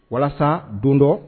Walasa don dɔ